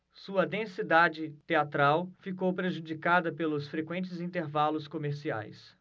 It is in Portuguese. sua densidade teatral ficou prejudicada pelos frequentes intervalos comerciais